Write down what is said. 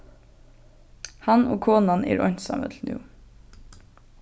hann og konan eru einsamøll nú